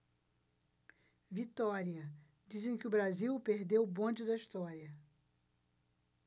vitória dizem que o brasil perdeu o bonde da história